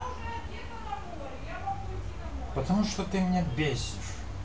потому что ты меня бесишь